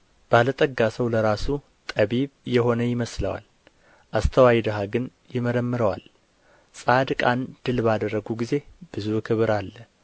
ባለጠጋ ሰው ለራሱ ጠቢብ የሆነ ይመስለዋል አስተዋይ ድሀ ግን ይመረምረዋል ጻድቃን ድል ባደረጉ ጊዜ ብዙ ክብር አለ